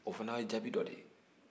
o fana ye jaabi dɔ de ye